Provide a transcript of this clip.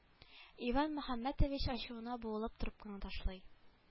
Иван мөхәммәтович ачуына буылып трубканы ташлый